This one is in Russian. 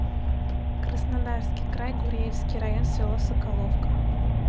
краснодарский край гуреевский район село соколовка